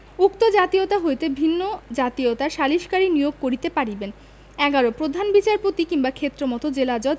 উক্ত জাতয়িতা হইতে ভিন্ন জাতীয়তার সালিসকারী নিয়োগ করিতে পারিবেন ১১ প্রধান বিচারপতি কিংবা ক্ষেত্রমত জেলাজজ